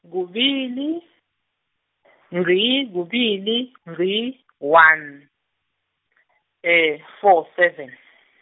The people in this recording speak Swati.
kubili, ngci, kubili , ngci, one, four, seven.